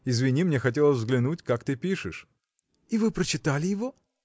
Извини, мне хотелось взглянуть, как ты пишешь. – И вы прочитали его?